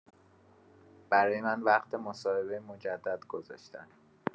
برای من وقت مصاحبه مجدد گذاشتن.